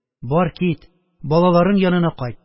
«бар кит, балаларың янына кайт